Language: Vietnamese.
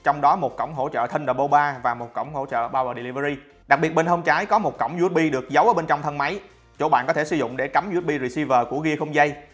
trong đó có cổng hỗ trợ thunderbolt và cổng hỗ trợ power delivery đặc biệt bên hông trái có cổng usb được giấu ở bên trong thân máy chỗ bạn có thể sử dụng để cắm usb receiver của gear không dây